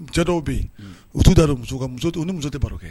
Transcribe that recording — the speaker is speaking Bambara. Cɛ dɔw bɛ yen u t'u da don muso ni muso tɛ baro kɛ